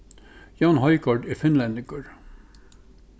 jón højgaard er finnlendingur